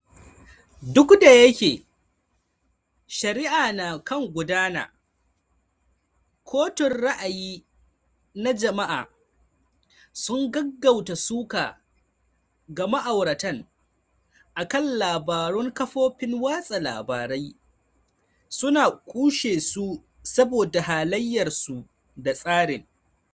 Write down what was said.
Duk da yake shari'a na kan gudana, kotun ra'ayi na jama'a sun gaggauta suka ga ma'auratan a kan labarun kafofin watsa labarai, su na kushe su saboda halayyarsu da tsarin.